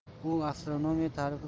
u astronomiya tarixi